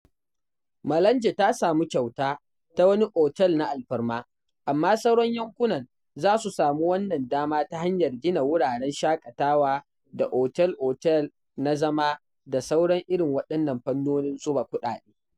Malanje ta samu “kyauta” ta wani otal na alfarma, amma sauran yankunan za su samu wannan dama ta hanyar gina wuraren shaƙatawa da otal-otal na zama da sauran irin waɗannan fannonin zuba kuɗaɗe.